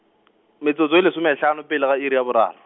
metsotso e lesomehlano pele ga iri ya boraro.